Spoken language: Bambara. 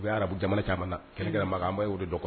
U bɛ arabu jamana caman kɛlɛkarama anba ye o de dɔ kɔnɔ